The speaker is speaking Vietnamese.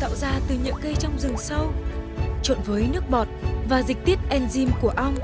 tạo ra từ những cây trong rừng sâu trộn với nước bọt và dịch tiết en dim của ong